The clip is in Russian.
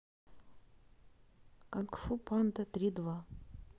кунг фу панда три два